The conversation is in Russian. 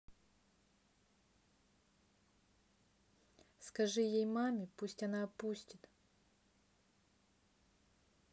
скажи ей маме пусть она опустит